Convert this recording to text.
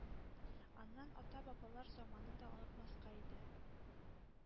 Аннан ата-бабалар заманын да онытмаска иде.